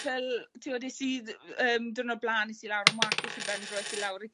Ffel t'mod es i yym diwrnod bla'n es i lawr am wak i Shir Benfro es i lawr i